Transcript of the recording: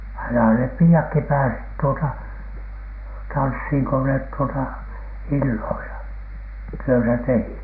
aina ne piiatkin pääsivät tuota tanssiin kun ne tuota illoilla työtä tekivät niin